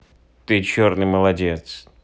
ты черный молодец